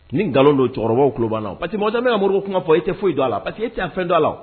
Ni nkalon don cɛkɔrɔbaw kuna pajamouru kuma fɔ i tɛ foyi d' la paseke tɛ fɛn' a la